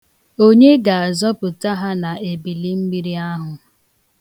Onye ga-azọpụta ha n'ebilimmiri ahụ?